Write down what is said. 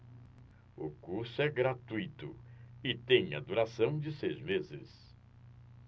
o curso é gratuito e tem a duração de seis meses